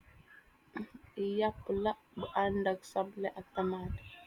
Li yapú la bu ànda ak sopleh ak tamate.